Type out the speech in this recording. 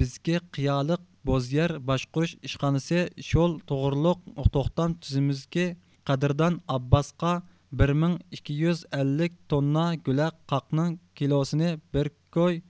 بىزكى قىيالىق بوزيەر باشقۇرۇش ئىشخانىسى شول توغرۇلۇق توختام تۈزىمىزكى قەدىردان ئابباسقا بىر مىڭ ئىككى يۈز ئەللىك توننا گۈلە قاقنىڭ كىلوسىنى بىر كوي